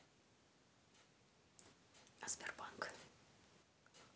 а сбербанк